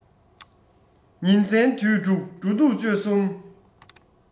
ཉིན མཚན དུས དྲུག འགྲོ འདུག སྤྱོད གསུམ